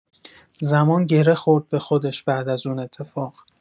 زمان گره خورد به خودش بعد از اون اتفاق!